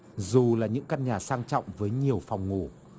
dù là những căn nhà sang trọng với nhiều phòng ngủ